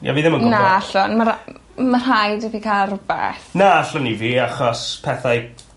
Ie fi ddim yn gwbo... Na allwn ma' ra- m- ma' rhaid i fi ca'l rwbeth. Na allwn i fi achos pethau